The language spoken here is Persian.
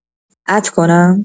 اد کنم؟